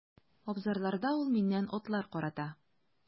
Абзарларда ул миннән атлар карата.